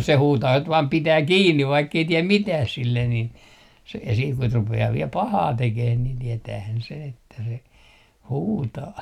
se huutaa kun vain pitää kiinni vaikka ei tee mitään sille niin se siinä kun rupeaa vielä pahaa tekemään niin tietäähän sen että se huutaa